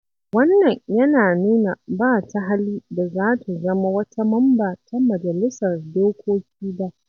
Wannan yana nuna ba ta hali da za ta zama wata Mamba ta Majalisar Dokoki ba.